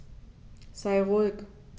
Sei ruhig.